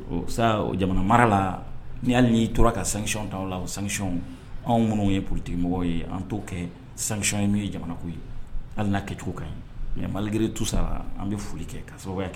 Sa'o jamana mara la ni hali n'i tola ka sanction ta o la, o _sanction ,aw minu ye politikimɔgɔw ye aw t'o kɛ sanction ye minu jamana ko ye, hali n'a kɛ cogo ka ɲin mais malgré tout ça la an bɛ foli kɛ k'a sababuya kɛ